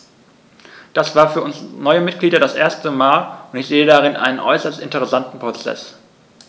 Das war für uns neue Mitglieder das erste Mal, und ich sehe darin einen äußerst interessanten Prozess.